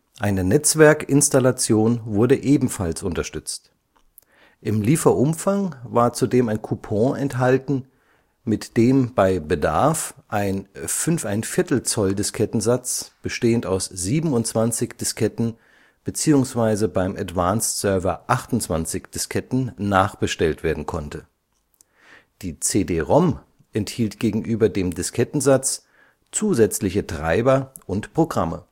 Eine Netzwerkinstallation wurde ebenfalls unterstützt. Im Lieferumfang war zudem ein Coupon enthalten, mit dem bei Bedarf ein 5,25 "- Diskettensatz bestehend aus 27 Disketten bzw. beim Advanced Server 28 Disketten nachbestellt werden konnte. Die CD-ROM enthielt gegenüber dem Diskettensatz zusätzliche Treiber und Programme